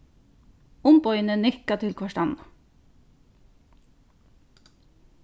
umboðini nikka til hvørt annað